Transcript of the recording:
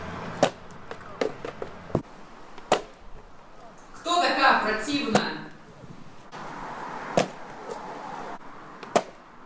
кто такая противная